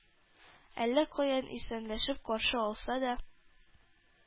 Әллә каян исәнләшеп каршы алса да,